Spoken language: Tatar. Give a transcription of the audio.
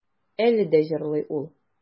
Әле дә җырлый ул.